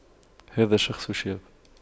هذا الشخص شاب